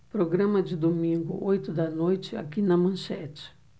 programa de domingo oito da noite aqui na manchete